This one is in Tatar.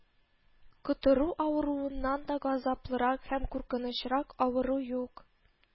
Котыру авыруыннан да газаплырак һәм куркынычрак авыру юк